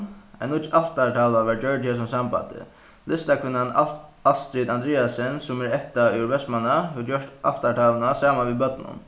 ein nýggj altartalva varð gjørd í hesum sambandi listakvinnan astrid andreassen sum er ættað úr vestmanna hevur gjørt altartalvuna saman við børnum